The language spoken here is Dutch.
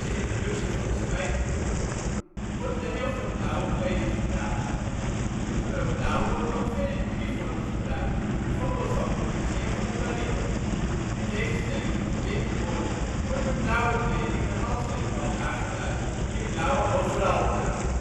introductie van de spijkerbroek wordt er heel veel blauwe kleding gedragen. De kleur blauw wordt ook veel in uniformen gebruikt, bijvoorbeeld van de politie en van de marine. In tegenstelling tot de witte boorden wordt met blauwe kleding de handwerkman aangeduid, die een blauwe overall draagt